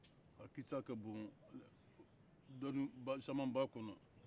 a kisa ka bon dɔnin caman b'a kɔnɔ